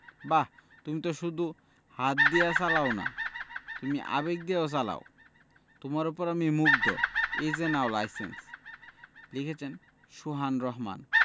বাহ তুমি তো শুধু হাত দিয়া চালাও না তুমি আবেগ দিয়া চালাও তোমার উপর আমি মুগ্ধ এই যে নাও লাইসেন্স... লিখেছেনঃ শোহান রাহমান